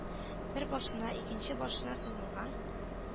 Бер башыннан икенче башына сузылган